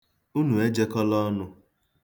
Unu ejekọla ọnụ.